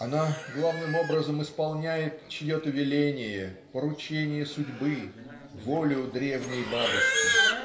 она главным образом исполняет чье-то веление поручение судьбы волю древней бабушки